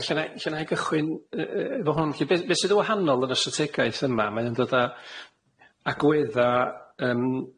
Ia ella na'i ella na'i gychwyn yy yy efo hwn lly be' be' sydd yn wahanol yn y strategaeth yma mae o'n dod â agwedda yym